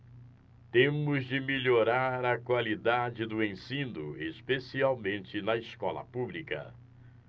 temos de melhorar a qualidade do ensino especialmente na escola pública